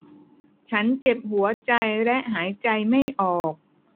ฉันเจ็บหัวใจและหายใจไม่ออก